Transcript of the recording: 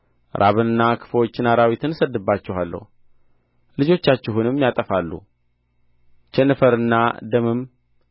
ራብንና ክፉዎችን አራዊት እሰድድባችኋለሁ ልጆቻችሁንም ያጠፋሉ ቸነፈርና ደምም